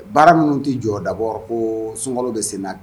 Baara minnu tɛ jɔ dabord koo sunkalo bɛ sen na